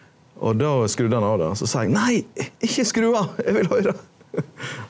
og då skrudde han av då so sa eg nei ikkje skru av eg vil høyra .